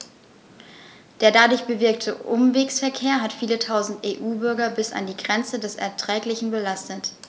Der dadurch bewirkte Umwegsverkehr hat viele Tausend EU-Bürger bis an die Grenze des Erträglichen belastet.